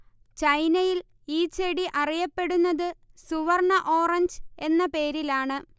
ചൈനയിൽ ഈ ചെടി അറിയപ്പെടുന്നത് സുവർണ്ണ ഓറഞ്ച് എന്ന പേരിലാണ്